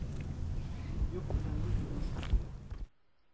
”юк белән юк булмаска кирәк.